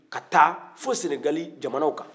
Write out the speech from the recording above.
ka taa fo senegali jamanaw kan